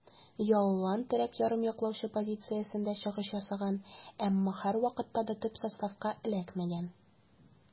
Ялланн терәк ярым яклаучы позициясендә чыгыш ясаган, әмма һәрвакытта да төп составка эләкмәгән.